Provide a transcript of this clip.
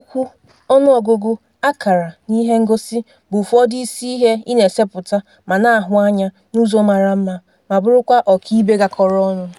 OM: Okwu, ọnụọgụgụ, akara na ihengosi bụ ụfọdụ isi ihe ị na-esepụta ma na-ahụ anya n'ụzọ mara mma ma bụrụkwa ọkaibe gakọrọ onụ.